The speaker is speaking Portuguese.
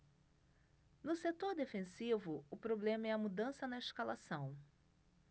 no setor defensivo o problema é a mudança na escalação